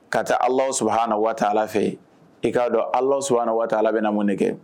Ka taa ala suaa na waa ala fɛ i k'a dɔn alasu aana waa bɛna mun de kɛ